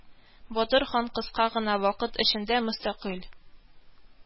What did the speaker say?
Батыр хан кыска гына вакыт эчендә мөстәкыйль